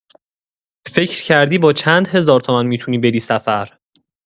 فکر کردی با چند هزار تومن می‌تونی بری سفر؟!